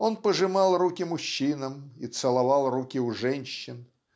Он пожимал руки мужчинам и целовал руки у женщин.